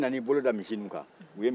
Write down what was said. bɛ nana i bolo da misininnu kan